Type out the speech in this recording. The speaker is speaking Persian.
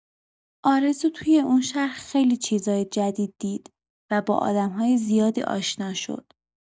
آرزو توی اون شهر خیلی چیزهای جدید دید و با آدم‌های زیادی آشنا شد.